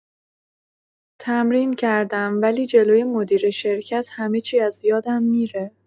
تمرین کردم، ولی جلوی مدیر شرکت همه‌چی از یادم می‌ره.